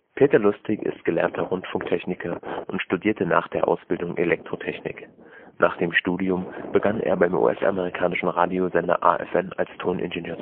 Peter Lustig ist gelernter Rundfunktechniker und studierte nach der Ausbildung Elektrotechnik. Nach dem Studium begann er beim US-amerikanischen Radiosender AFN als Toningenieur